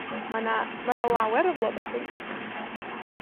Mae 'na, mae 'na lawer o floda pinc.